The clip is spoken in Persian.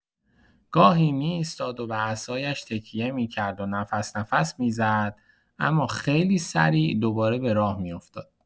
گاهی می‌ایستاد و به عصایش تکیه می‌کرد و نفس‌نفس می‌زد، اما خیلی سریع دوباره به راه می‌افتاد.